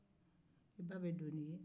i ba bɛ don n'i ye